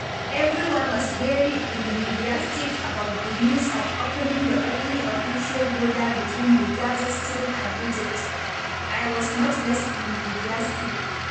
Everyone was very enthusiastic about the news of opening the only official border between the Gaza Strip and Egypt, I was not less enthusiastic.